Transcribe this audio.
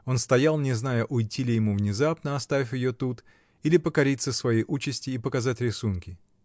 Он стоял, не зная, уйти ли ему внезапно, оставив ее тут, или покориться своей участи и показать рисунки.